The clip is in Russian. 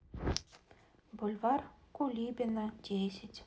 бульвар кулибина десять